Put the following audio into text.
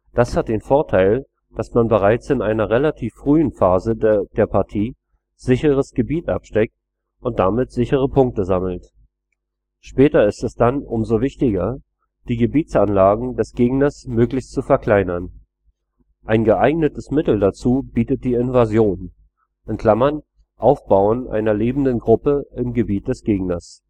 Das hat den Vorteil, dass man bereits in einer relativ frühen Phase der Partie sicheres Gebiet absteckt und damit sichere Punkte sammelt. Später ist es dann umso wichtiger, die Gebietsanlagen des Gegners möglichst zu verkleinern. Ein geeignetes Mittel dazu bietet die Invasion (Aufbauen einer lebenden Gruppe im Gebiet des Gegners